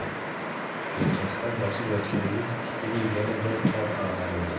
yelkasidan bosib yotgan yuk ustiga yana bir tog' ag'darildi